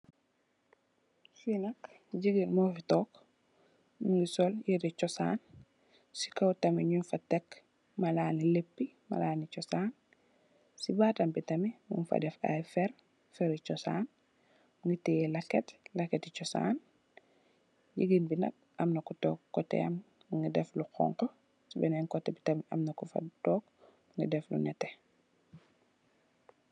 Fee nak jegain mufe tonke muge sol yere chosan se kaw tamin mugfa tek malane lepe malane chosan se batam be tamin mugfa def aye ferr ferre chose mu teye leket lekete chosan jegain be nak amna ku tonke kotehyam muge def lu xonxo se benen koteh be tamin amna kufa tonke muge def lu neteh.